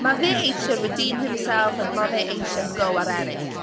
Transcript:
Mae fe eisiau redeem himself ac mae fe eisiau go ar ennill.